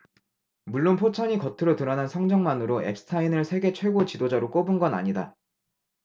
물론 포천이 겉으로 드러난 성적만으로 엡스타인을 세계 최고 지도자로 꼽은 건 아니다